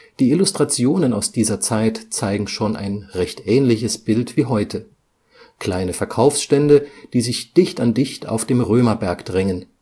Die Illustrationen aus dieser Zeit zeigen schon ein recht ähnliches Bild wie heute: Kleine Verkaufsstände, die sich dicht an dicht auf dem Römerberg drängen